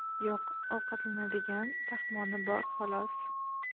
yo'q ovqatlanadigan taxmoni bor xolos